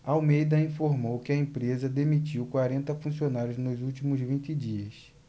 almeida informou que a empresa demitiu quarenta funcionários nos últimos vinte dias